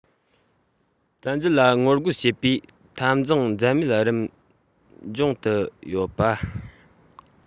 བཙན འཛུལ ལ ངོ རྒོལ བྱེད པའི འཐབ འཛིང འཛད མེད རིམ འབྱུང དུ ཡོད པ